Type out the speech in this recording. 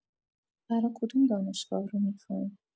برا کدوم دانشگاه رو می‌خواین؟